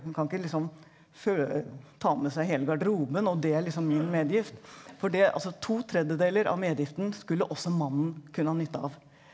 hun kan ikke liksom ta med seg hele garderoben og det er liksom min medgift, for det altså to tredjedeler av medgiften skulle også mannen kunne ha nytte av.